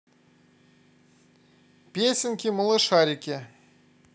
песенки малышарики